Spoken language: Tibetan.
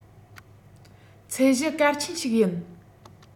ཚད གཞི གལ ཆེན ཞིག ཡིན